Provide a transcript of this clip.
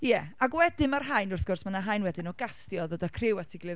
Ie. Ac wedyn, mae'r haen wrth gwrs, mae 'na haen wedyn o gastio, dod â criw at ei gilydd...